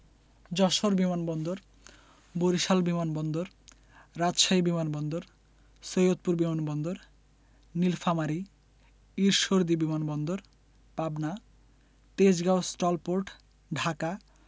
যশোর বিমান বন্দর বরিশাল বিমান বন্দর রাজশাহী বিমান বন্দর সৈয়দপুর বিমান বন্দর নিলফামারী ঈশ্বরদী বিমান বন্দর পাবনা তেজগাঁও স্টল পোর্ট ঢাকা